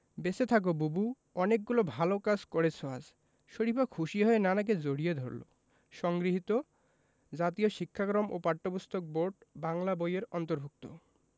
বেঁচে থাকো বুবু অনেকগুলো ভালো কাজ করেছ আজ শরিফা খুশি হয়ে নানাকে জড়িয়ে ধরল সংগৃহীত জাতীয় শিক্ষাক্রম ও পাঠ্যপুস্তক বোর্ড বাংলা বই এর অন্তর্ভুক্ত